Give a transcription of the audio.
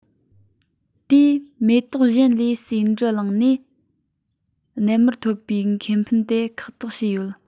དེས མེ ཏོག གཞན ལས ཟེའུ འབྲུ བླངས ནས རྣལ མར ཐོབ པའི ཁེ ཕན དེ ཁག ཐེག བྱས ཡོད